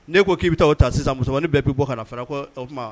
Ne ko'i bɛ taa o ta sisan musomanmani bɛɛ'i bɔ ka na o tuma